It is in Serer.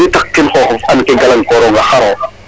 ɗeetatin xoxof and ke galangkoronga xar o,